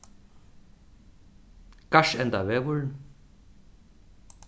garðsendavegur